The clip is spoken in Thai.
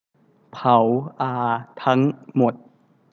เผาอาทั้งหมด